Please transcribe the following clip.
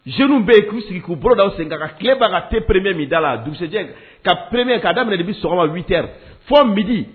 Jeunes be yen ku sigi ku bolo da u sen fila kan. Ka kile ban ka the premier min da la. A dugusɛjɛ ka premier ka daminɛ depuis sɔgɔma 8 heures fo midi.